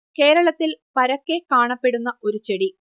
കേരളത്തിൽ പരക്കെ കാണപ്പെടുന്ന ഒരു ചെടി